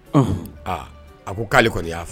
Un aa a ko k koale kɔni y'a fɛ